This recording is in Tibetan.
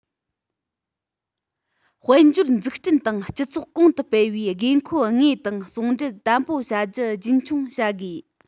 དཔལ འབྱོར འཛུགས སྐྲུན དང སྤྱི ཚོགས གོང དུ སྤེལ བའི དགོས མཁོ དངོས དང ཟུང འབྲེལ དམ པོ བྱ རྒྱུ རྒྱུན འཁྱོངས བྱ དགོས